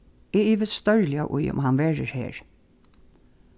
eg ivist stórliga í um hann verður her